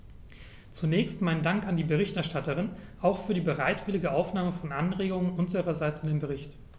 Zunächst meinen Dank an die Berichterstatterin, auch für die bereitwillige Aufnahme von Anregungen unsererseits in den Bericht.